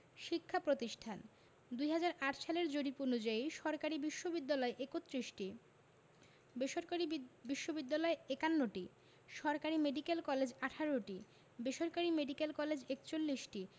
শিক্ষাপ্রতিষ্ঠানঃ ২০০৮ সালের জরিপ অনুযায়ী সরকারি বিশ্ববিদ্যালয় ৩১টি বেসরকারি বিশ্ববিদ্যালয় ৫১টি সরকারি মেডিকেল কলেজ ১৮টি বেসরকারি মেডিকেল কলেজ ৪১টি